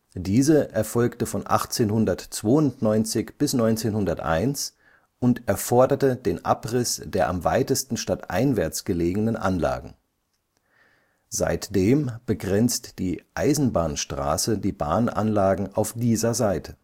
Diese erfolgte von 1892 bis 1901 und erforderte den Abriss der am weitesten stadteinwärts gelegenen Anlagen. Seitdem begrenzt die Eisenbahnstraße die Bahnanlagen auf dieser Seite